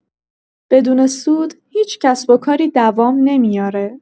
بدون سود هیچ کسب‌وکاری دوام نمیاره.